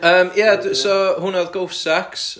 ymm ie dw- so hwnna oedd ghost sex